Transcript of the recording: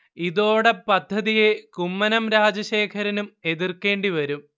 ഇതോടെ പദ്ധതിയെ കുമ്മനം രാജശേഖരനും എതിർക്കേണ്ടി വരും